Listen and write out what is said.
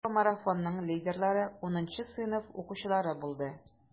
ЭКОмарафонның лидерлары 10 сыйныф укучылары булды.